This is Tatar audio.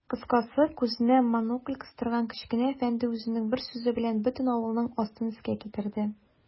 Кыскасы, күзенә монокль кыстырган кечкенә әфәнде үзенең бер сүзе белән бөтен авылның астын-өскә китерде.